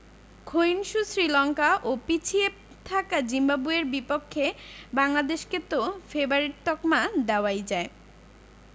ক্ষয়িষ্ণু শ্রীলঙ্কা ও পিছিয়ে থাকা জিম্বাবুয়ের বিপক্ষে বাংলাদেশকে তো ফেবারিট তকমা দেওয়াই যায়